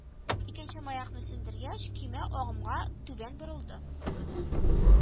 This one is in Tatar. Икенче маякны сүндергәч, көймә агымга түбән борылды